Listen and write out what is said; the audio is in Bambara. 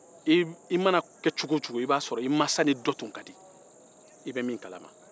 i mana kɛ cogo o cogo i b'a sɔrɔ i mansa ni dɔ tun ka di i bɛ min kala ma